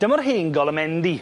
Dyma'r hen golomendy.